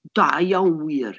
Da iawn wir!